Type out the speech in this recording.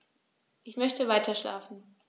Ich möchte weiterschlafen.